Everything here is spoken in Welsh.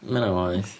Mae hynna'n waeth.